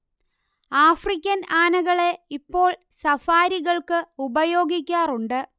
African ആനകളെ ഇപ്പോൾ സഫാരികൾക്ക് ഉപയോഗിക്കാറുണ്ട്